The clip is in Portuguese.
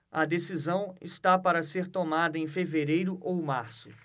a decisão está para ser tomada em fevereiro ou março